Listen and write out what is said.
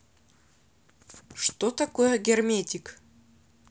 что такое герметик